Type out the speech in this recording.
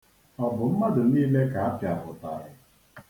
Ọ bụ mmadụ niile ka a pịara ụtarị?